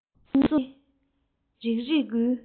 མིག ཟུང གཉིས རིག རིག འགུལ